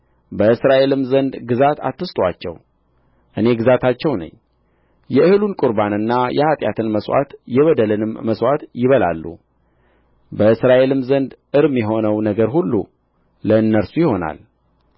በእስራኤልም ዘንድ ግዛት አትሰጡአቸው እኔ ግዛታቸው ነኝ የእህሉን ቍርባንና የኃጢአትን መሥዋዕት የበደልንም መሥዋዕት ይበላሉ በእስራኤልም ዘንድ እርም የሆነው ነገር ሁሉ ለእነርሱ ይሆናል